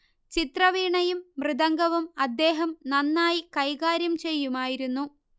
ചിത്രവീണയും മൃദംഗവും അദ്ദേഹം നന്നായി കൈകാര്യം ചെയ്യുമായിരുന്നു